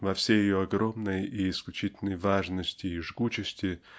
во всей ее огромной и исключительной важности и жгучести